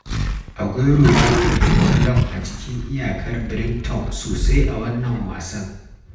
Aguero ya karɓi ƙwallon a cikin iyakar Brighton sosai a wannan wasan.